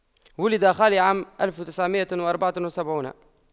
ولد خالي عام ألف وتسعمئة وأربعة وسبعون